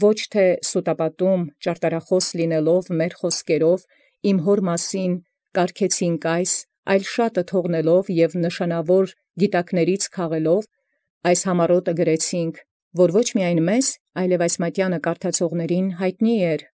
Ոչ սուտապատում ճարտարխաւս եղեալ առ ի մերոց բանից զհաւրէն իմոյ կարգեցաք, այլ զյաճախագոյնն թողեալ, և ի նշանաւոր գիտակացն քաղելով զհամառաւտս կարգեցաք, որ ոչ միայն մեզ, այլ և որ զմատեանս ընթեռնուն՝ յայտնի է։